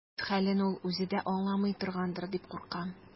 Үз хәлен ул үзе дә аңламый торгандыр дип куркам.